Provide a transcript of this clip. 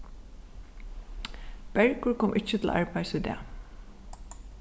bergur kom ikki til arbeiðis í dag